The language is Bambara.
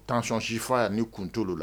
Taaon sifa' ni kuntuolu la